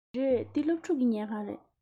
རེད འདི སློབ ཕྲུག གི ཉལ ཁང རེད